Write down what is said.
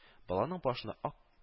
Баланың башына ак